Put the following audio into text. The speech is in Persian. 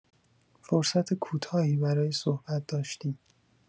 فرصت کوتاهی برای صحبت داشتیم.